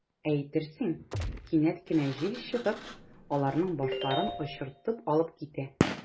Әйтерсең, кинәт кенә җил чыгып, аларның “башларын” очыртып алып китә.